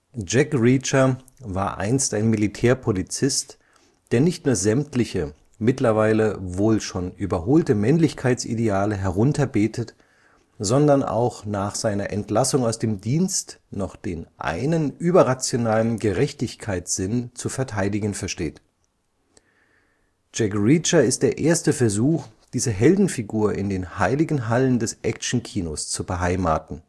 Jack Reacher […] war […] einst ein Militärpolizist, der nicht nur sämtliche, mittlerweile wohl schon überholte Männlichkeitsideale herunterbetet, sondern auch nach seiner Entlassung aus dem Dienst noch den einen überrationalen Gerechtigkeitssinn zu verteidigen versteht. Jack Reacher ist der erste Versuch, diese Heldenfigur in den heiligen Hallen des Actionkinos zu beheimaten